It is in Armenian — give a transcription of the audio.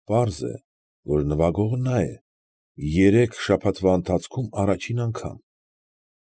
Պարզ էր, որ նվագողը նա է, երեք շաբաթվա ընթացքում առաջին անգամ։